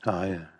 A ia.